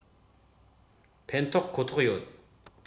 ཕན ཐོགས ཁོ ཐག ཡོད